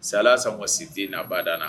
Sa sama si tɛ na a bada na